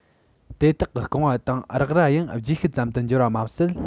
དེ དག གི རྐང བ དང རེག རྭ ཡང རྗེས ཤུལ ཙམ དུ འགྱུར པ མ ཟད